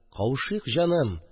«кавышыйк, җаным...»